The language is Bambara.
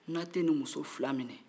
n'aw tɛ nin muso fila minɛ